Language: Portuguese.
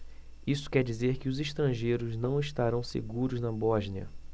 isso quer dizer que os estrangeiros não estarão seguros na bósnia